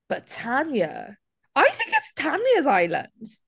But Tanya... I think it's Tanya's island!